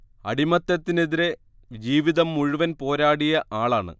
അടിമത്തത്തിനെതിരെ ജീവിതം മുഴുവൻ പോരാടിയ ആളാണ്